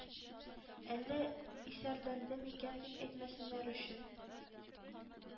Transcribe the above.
Әллә исәрләнде микән“, дип әйтмәсеннәр өчен